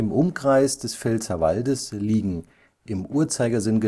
Umkreis des Pfälzerwaldes liegen die Städte (im Uhrzeigersinn